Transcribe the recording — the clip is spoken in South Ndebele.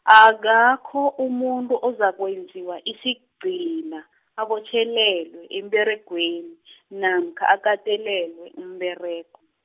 akakho umuntu ozakwenziwa isigcila, abotjhelelwe emberegweni , namkha akatelelwe umberego.